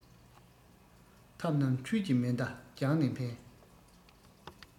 ཐབས རྣམས འཕྲུལ གྱི མེ མདའ རྒྱང ནས འཕེན